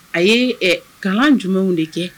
A ye kalan jumɛnw de kɛ